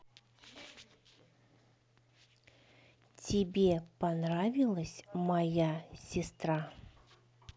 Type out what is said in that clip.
тебе понравилась моя сестра